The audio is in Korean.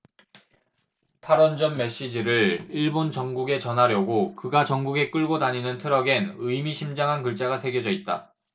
탈원전 메시지를 일본 전국에 전하려고 그가 전국에 끌고 다니는 트럭엔 의미심장한 글자가 새겨져 있다